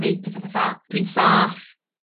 deu petha fatha dwi'n saff.